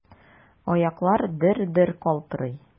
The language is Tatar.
Аяклар дер-дер калтырый.